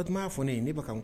O tun b'a fɔ ye ne bɛ